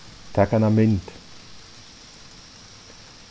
tak eina mynd